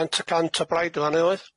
Cant y cant o blaid yn fan 'na oedd?